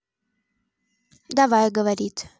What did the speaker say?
давай говорит